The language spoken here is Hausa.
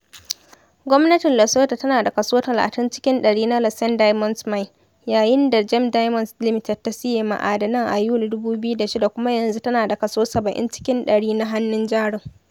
Gwamnatin Lesotho tana da kaso 30 cikin 100 na Letšeng Diamonds Mine, yayin da Gem Diamonds Limited ta siye ma’adanan a Yuli 2006 kuma yanzu tana da kaso 70 cikin 100 na hannun jarin.